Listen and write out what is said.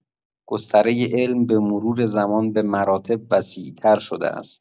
گستره علم به‌مرور زمان به مراتب وسیع‌تر شده است.